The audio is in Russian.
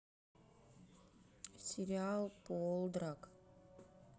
сериал полдарк